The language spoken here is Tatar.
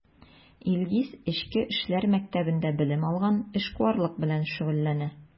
Илгиз Эчке эшләр мәктәбендә белем алган, эшкуарлык белән шөгыльләнә.